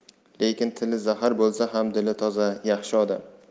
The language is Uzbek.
lekin tili zahar bo'lsa ham dili toza yaxshi odam